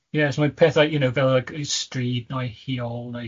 Ie, so mae pethau, you know, fel like yy g- stryd, neu huol neu